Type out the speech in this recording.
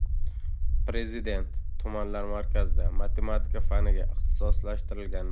prezident tumanlar markazida matematika faniga ixtisoslashtirilgan